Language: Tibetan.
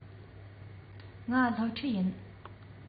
ང སློབ ཕྲུག ཡིན